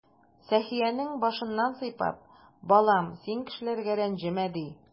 Сәхиянең башыннан сыйпап: "Балам, син кешеләргә рәнҗемә",— ди.